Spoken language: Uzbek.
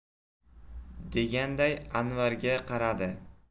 deganday anvarga qaradi